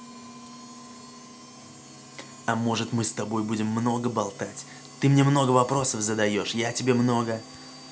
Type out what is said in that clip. а может мы с тобой будем много болтать ты мне много вопросов задаешь я тебе много